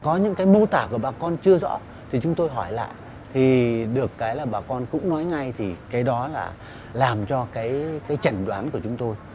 có những cái mô tả của bà con chưa rõ thì chúng tôi hỏi lại thì được cái là bà con cũng nói ngay thì cái đó là làm cho cái cái chẩn đoán của chúng tôi